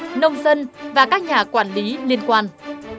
nông dân và các nhà quản lý liên quan